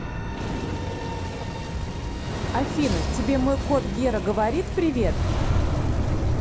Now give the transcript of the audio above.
афина тебе мой кот гера говорит привет